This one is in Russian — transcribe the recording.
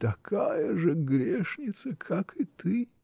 — Такая же грешница, как и ты.